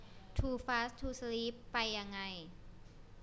ทูฟาสต์ทูสลีบไปยังไง